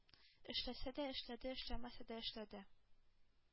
Эшләсә дә эшләде, эшләмәсә дә эшләде...